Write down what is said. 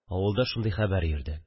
– авылда шундый хәбәр йөрде